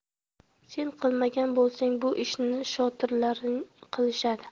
sen qilmagan bo'lsang bu ishni shotirlaring qilishadi